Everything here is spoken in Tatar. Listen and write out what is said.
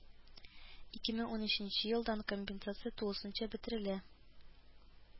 Ике мең унөченче елдан компенсация тулысынча бетерелә